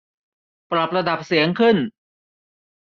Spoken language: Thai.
ปรับระดับเสียงขึ้น